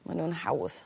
ma' nw'n hawdd